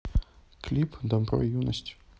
клип добро юность